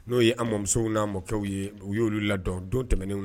N'o ye an amadumusow' mɔkɛ ye u y'olu ladon don tɛmɛnenw na